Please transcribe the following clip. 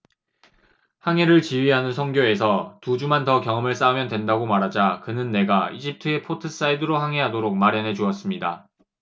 항해를 지휘하는 선교에서 두 주만 더 경험을 쌓으면 된다고 말하자 그는 내가 이집트의 포트사이드로 항해하도록 마련해 주었습니다